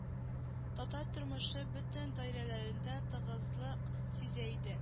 Татар тормышы бөтен даирәләрендә тыгызлык сизә иде